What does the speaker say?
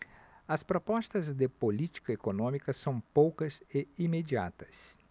as propostas de política econômica são poucas e imediatas